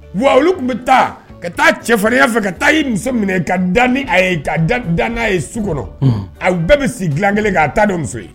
Wa olu tun bɛ taa ka taa cɛfarinya fɛ ka taa ye muso minɛ ka ye ka dan n'a ye su kɔnɔ a bɛɛ bɛ sigi dila kelen k'a taa muso ye